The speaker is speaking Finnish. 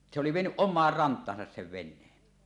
niin se oli vienyt omaan rantaansa sen veneen